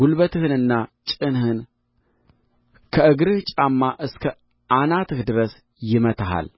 ጕልበትህንና ጭንህን ከእግርህ ጫማ እስከ አናትህ ድረስ ይመታሃል